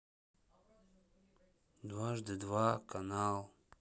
дважды два канал